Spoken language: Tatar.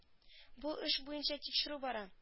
Бу эш буенча тикшерү бара